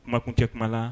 Makun tɛ kuma la